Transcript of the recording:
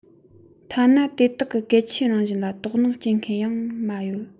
ཐ ན དེ དག གི གལ ཆེན རང བཞིན ལ དོགས སྣང སྐྱེ མཁན ཡང མ ཡོད